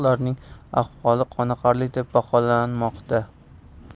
bo'lib ularning ahvoli qoniqarli deb baholanmoqda